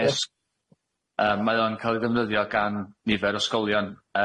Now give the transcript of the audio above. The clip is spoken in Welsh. yym mae o'n ca'l 'i ddefnyddio gan nifer o sgolion